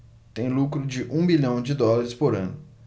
tem lucro de um bilhão de dólares por ano